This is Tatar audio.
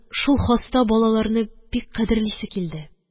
Шул хаста балаларны бик кадерлисе килде